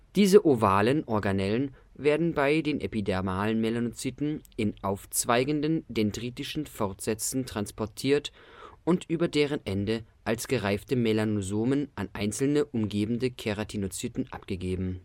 Diese ovalen Organellen werden bei den epidermalen Melanozyten in aufzweigenden, dendritischen Fortsätzen transportiert und über deren Ende als gereifte Melanosomen an einzelne umgebende Keratinozyten abgegeben